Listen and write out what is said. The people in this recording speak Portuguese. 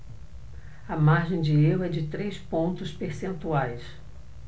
a margem de erro é de três pontos percentuais